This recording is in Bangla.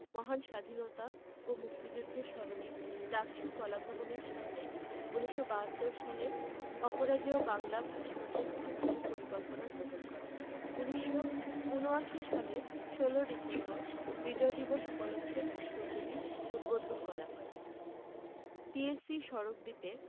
মহান স্বাধীনতা ও মুক্তিযুদ্ধের স্মরণে ডাকসু কলাভবনের সামনে ১৯৭২ সালে অপরাজেয় বাংলা ভাস্কর্য স্থাপনের পরিকল্পনা গ্রহণ করে ১৯৭৯ সালের ১৬ ডিসেম্বর বিজয় দিবস উপলক্ষে ভাস্কর্যটি উদ্বোধন করা হয় টিএসসি সড়ক দ্বীপে